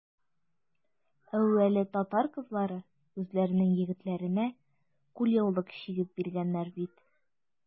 Әүвәле татар кызлары үзләренең егетләренә кулъяулык чигеп биргәннәр бит.